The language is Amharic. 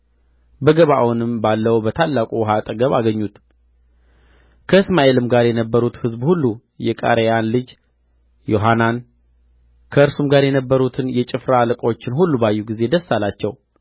በገባዖንም ባለው በታላቁ ውኃ አጠገብ አገኙት ከእስማኤልም ጋር የነበሩት ሕዝብ ሁሉ የቃሬያን ልጅ ዮሐናንን ከእርሱም ጋር የነበሩትን የጭፍራ አለቆችን ሁሉ ባዩ ጊዜ ደስ አላቸው